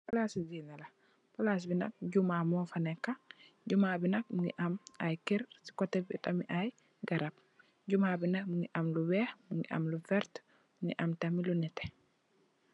Palasi dineh la palass bi nak juuma mofa neka Jummah bi nak Mungi am i kerr see koteh bi tam i garab Jummah bi nak Mungi am lu weih Mungi am lu verteh Mungi am tam lu neteh.